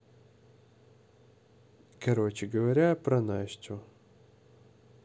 короче говоря про настю